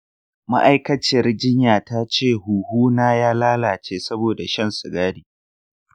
ma'aikaciyar jinya ta ce huhuna ya lalace saboda shan sigari.